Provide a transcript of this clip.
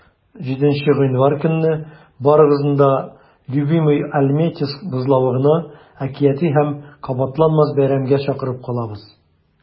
7 гыйнвар көнне барыгызны да "любимыйальметьевск" бозлавыгына әкияти һәм кабатланмас бәйрәмгә чакырып калабыз!